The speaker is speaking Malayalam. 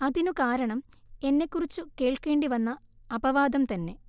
അതിനു കാരണം എന്നെക്കുറിച്ചു കേൾക്കേണ്ടി വന്ന അപവാദം തന്നെ